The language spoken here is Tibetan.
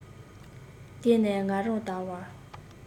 དེ ནས ང རང དལ བར